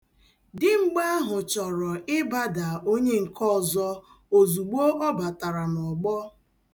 Dimgba ahụ chọrọ ịbada onye nke ọzọ ozugbo ọ batara n'ọgbọ.